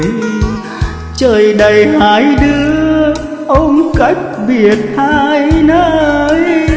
trời đày hai đứa ôm cách biệt hai nơi